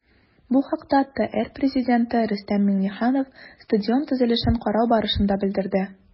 Бу хакта ТР Пррезиденты Рөстәм Миңнеханов стадион төзелешен карау барышында белдерде.